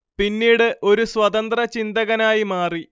പിന്നീട് ഒരു സ്വതന്ത്ര ചിന്തകനായി മാറി